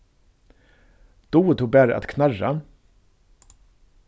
dugir tú bara at knarra